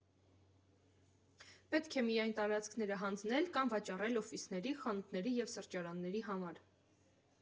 Պետք է միայն տարածքները հանձնել կամ վաճառել օֆիսների, խանութների և սրճարանների համար։